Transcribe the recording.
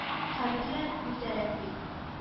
Каберләр үрдәрәк бит…